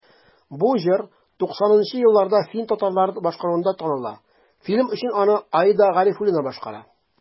Бу җыр 90 нчы елларда фин татарлары башкаруында таныла, фильм өчен аны Аида Гарифуллина башкара.